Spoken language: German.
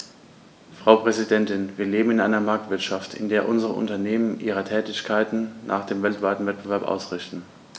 Frau Präsidentin, wir leben in einer Marktwirtschaft, in der unsere Unternehmen ihre Tätigkeiten nach dem weltweiten Wettbewerb ausrichten.